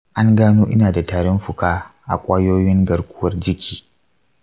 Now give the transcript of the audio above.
an gano ina da tarin fuka a ƙwayoyin garkuwar jiki.